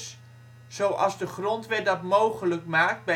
zoals de Grondwet dat mogelijk maakt